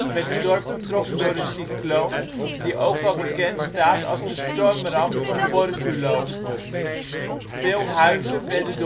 werd het dorp getroffen door een cycloon die ook wel bekend staat als de Stormramp van Borculo. Veel huizen werden